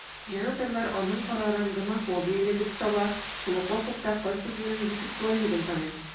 Җанатарлар аның карарын гомофобияле дип таба, шул ук вакытта кыз үзенең бисексуальлеген таный.